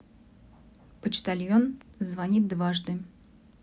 почтальон звонит дважды